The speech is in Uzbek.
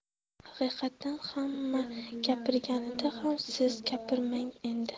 haqiqatdan hamma gapirganida ham siz gapirmang endi